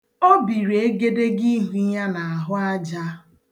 O biri egedegeihu ya n'ahụ aja.